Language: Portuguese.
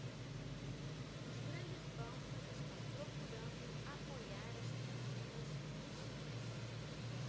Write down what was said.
os grandes bancos estão procurando apoiar as pequenas instituições